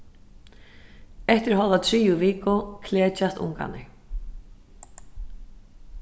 eftir hálva triðju viku klekjast ungarnir